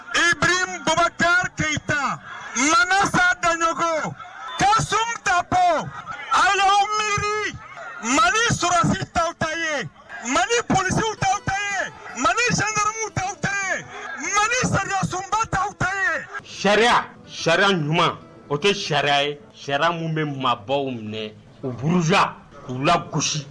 I bɛ keyita ta ma satajko ka sunta ali mi mali ssi tɔw ta ye mali psi dɔw tɛ mali samu dɔw tɛ mali sa sunba taye sariya sariya ɲuman o kɛ sariya ye sariya minnu bɛ mabɔbaww minɛ u buru uu la gosi